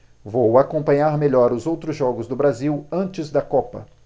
vou acompanhar melhor os outros jogos do brasil antes da copa